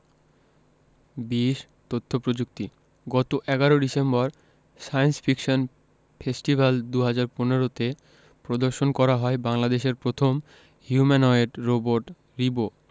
২০ তথ্য প্রযুক্তি গত ১১ ডিসেম্বর সায়েন্স ফিকশন ফেস্টিভ্যাল ২০১৫ তে প্রদর্শন করা হয় বাংলাদেশের প্রথম হিউম্যানোয়েড রোবট রিবো